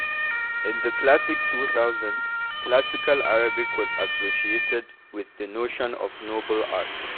In the early 2000s, classical Arabic was associated with the notion of ‘noble’ art.